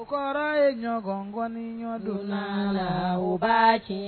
O kɔrɔ ye ɲɔgɔn ŋɔni